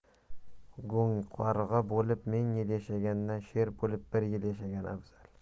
go'ngqarg'a bo'lib ming yil yashagandan sher bo'lib bir yil yashagan afzal